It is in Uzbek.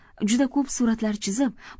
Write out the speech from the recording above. juda ko'p suratlar chizib